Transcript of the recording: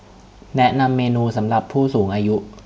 แนะนำเมนูสำหรับผู้สูงอายุ